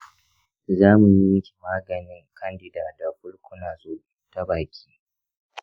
za mu yi maka/miki maganin candida da fluconazole ta baki.